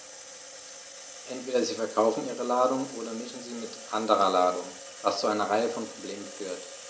Entweder sie verkaufen ihre Ladung oder mischen sie mit anderer Ladung, was zu einer Reihe von Problemen führt.